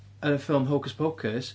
Yn y ffilm Hocus Pocus...